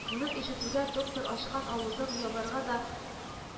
Моны ишетүгә доктор ачкан авызың ябарга да